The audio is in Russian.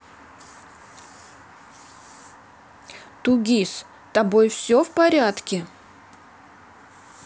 2gis тобой все в порядке